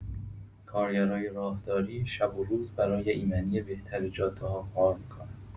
کارگرای راهداری شب و روز برای ایمنی بهتر جاده‌ها کار می‌کنن.